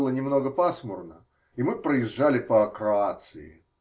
было немного пасмурно, и мы проезжали по Кроации.